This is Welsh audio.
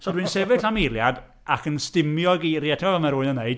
So dwi'n sefyll am eiliad, ac yn stumio geiriau. Ti'n gwbod fel ma' rhywun yn wneud.